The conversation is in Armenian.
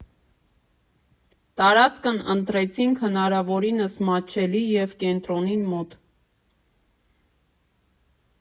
Տարածքն ընտրեցինք հնարավորինս մատչելի և կենտրոնին մոտ։